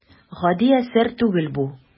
Гади әсәр түгел бу.